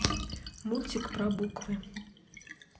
мультик про буквы